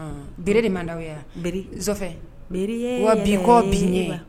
Ɔnn bere de mand'aw ye a bere nsɔfɛ bereyee wa bi kɔ bi ɲɛ wa